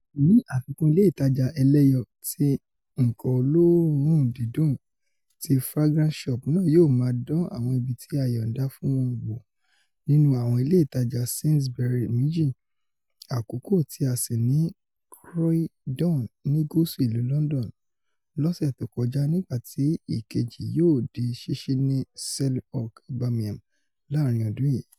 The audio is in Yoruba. Ni àfikún, ilé ìtajà-ẹlẹ́yọ ti nǹkan olóòórùn-dídun ti Fragrance Shop náà yóò máa dán àwọn ibití a yọ̀ǹda fún wọn wò nínú àwọn ilé ìtajà Sainsbury's méjì, àkọ́kọ́ tí a sí ní Croydon, ní gúúsù ìlú Lọndọn, lọsẹ tó kọjá nígbà tí ikeji yo di sísí ní Selly Oak, Birmingham, láàrin ọ́dún yìí.